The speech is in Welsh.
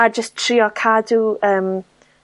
a jyst trio cadw yym,